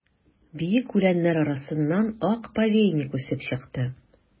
Биек үләннәр арасыннан ак повейник үсеп чыкты.